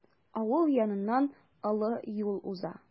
Авыл яныннан олы юл уза.